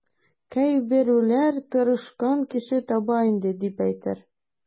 Кайберәүләр тырышкан кеше таба инде, дип әйтер.